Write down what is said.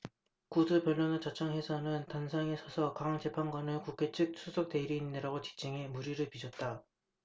구두변론을 자청해서는 단상에 서서 강 재판관을 국회 측 수석대리인이라고 지칭해 물의를 빚었다